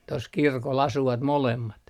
tuossa kirkolla asuvat molemmat